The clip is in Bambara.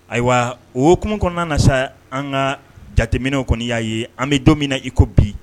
Ayiwa ok kɔnɔna na sa an ka jateminɛw kɔni y'a ye an bɛ don min na iko bi